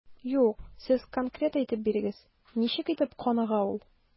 Юк, сез конкрет әйтеп бирегез, ничек итеп каныга ул?